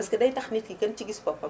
parce que day tax nit ki gën ci gis boppam